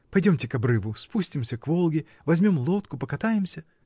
Пойдемте к обрыву, спустимся к Волге, возьмем лодку, покатаемся!.